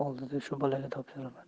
oldida shu bolaga topshiraman